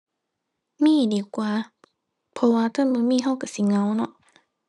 มีดีกว่า เพราะว่าถ้าบ่มีเราเราสิเหงาเนาะ